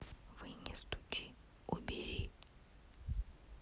вы не стучи убери